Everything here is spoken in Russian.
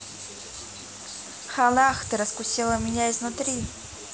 hannah ты разукрасила меня изнутри